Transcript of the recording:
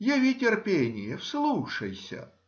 Яви терпение,— вслушайся.